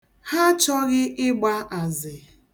Ha achọghị ịgba azị.